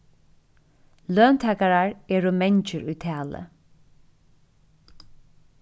løntakarar eru mangir í tali